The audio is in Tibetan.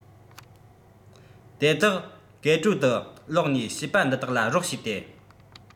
དེ དག ཀུའེ ཀྲོའུ དུ ལོག ནས བྱིས པ འདི དག ལ རོགས བྱས ཏེ